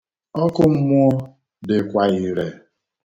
Ọkụ mmụọ dịkwa ire.